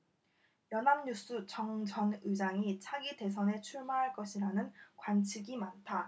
연합뉴스 정 전 의장이 차기 대선에 출마할 것이라는 관측이 많다